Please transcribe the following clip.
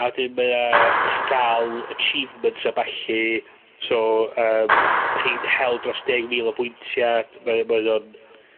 A wedyn mae e, 'ych chi ca'l achievements a ballu, so, yym, 'dych chi'n hel dros deg mil o bwyntia' mae o, mae o'n